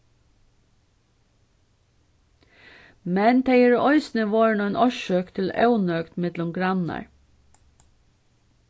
men tey eru eisini vorðin ein orsøk til ónøgd millum grannar